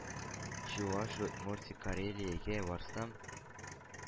Чувашия, Удмуртия, Карелиягә барсам,